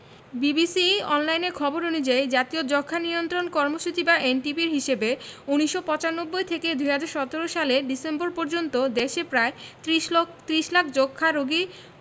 BBC অনলাইনের খবর অনুযায়ী জাতীয় যক্ষ্মা নিয়ন্ত্রণ কর্মসূচি বা এনটিপির হিসেবে ১৯৯৫ থেকে ২০১৭ সালের ডিসেম্বর পর্যন্ত দেশে প্রায় ৩০ লাখ যক্ষ্মা রোগী